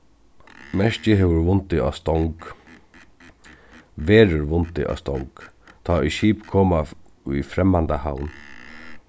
merkið hevur vundið á stong verður vundið á stong tá ið skip koma í fremmanda havn